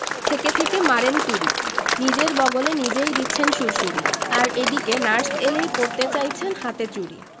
থেকে থেকে মারেন তুড়ি নিজের বগলে নিজেই দিচ্ছেন সুড়সুড়ি আর এদিকে নার্স এলেই পরতে চাইছেন হাতে চুড়ি